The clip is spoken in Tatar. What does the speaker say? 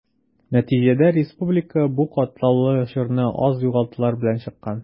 Нәтиҗәдә республика бу катлаулы чорны аз югалтулар белән чыккан.